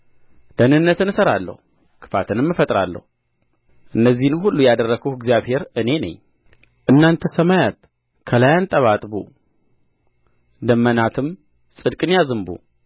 ደኅንነትን እሠራለሁ ክፋትንም እፈጥራለሁ እነነዚህን ሁሉ ያደረግሁ እግዚአብሔር እኔ ነኝ እናንተ ሰማያት ከላይ አንጠባጥቡ ደመናትም ጽድቅን ያዝንቡ